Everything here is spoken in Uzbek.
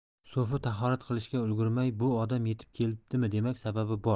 so'fi tahorat qilishga ulgurmay bu odam yetib kelibdimi demak sababi bor